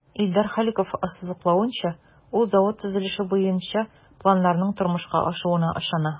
Илдар Халиков ассызыклавынча, ул завод төзелеше буенча планнарның тормышка ашуына ышана.